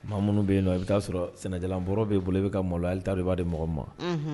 Maa munun be yen nɔ,i bi taa sɔrɔ sɛnɛjalan bɔrɔ bi bolo . I bi ka maloya hali i ta dɔn i ba di mɔgɔ min ma.